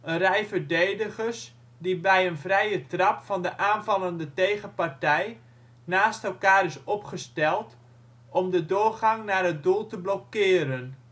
rij verdedigers die bij een vrije trap van de aanvallende tegenpartij naast elkaar is opgesteld om de doorgang naar het doel te blokkeren